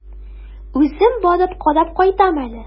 Үзем барып карап кайтам әле.